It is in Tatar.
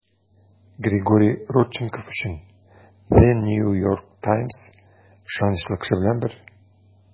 Григорий Родченков өчен The New York Times ышанычлы кеше белән бер.